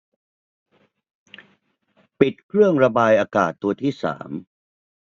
ปิดเครื่องระบายอากาศตัวที่สาม